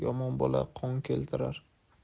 yomon bola qon keltirar